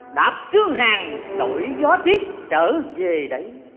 đạp sương hàn đội gió tuyết trở về đây